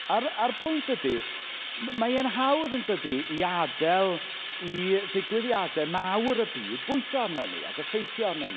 A'r a'r y pwynt ydi, m- mae e'n hawdd yn dydy, i adael i ddigwyddiadau mawr y byd bwyso arno ni ac effeithio arno ni.